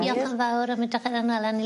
Diolch yn fawr am 'yn yla ni...